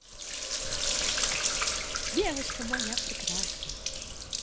девочка моя прекрасная